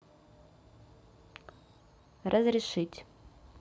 разрешить